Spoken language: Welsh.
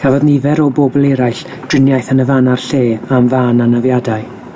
Cafodd nifer o bobl eraill driniaeth yn y fan a'r lle am fân anafiadau.